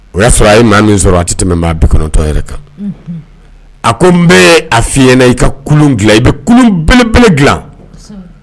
O y'a sɔrɔ a ye maa min sɔrɔ a tɛ tɛmɛ maa 90 yɛrɛ kan, unhun, a ko n bɛ a fɔ i ɲɛna i ka kulun dilan i bɛ kulun bele-bele dilan, kosɛbɛ